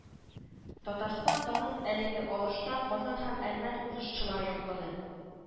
Татарстан данын әлеге алышта Казан һәм Әлмәт узышчылары яклады